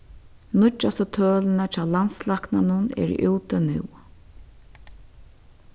nýggjastu tølini hjá landslæknanum eru úti nú